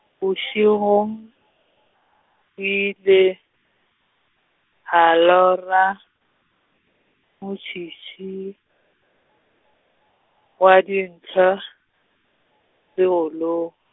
bošegong, o ile, a lora, motšhitšhi, wa dintlhwa, seolong.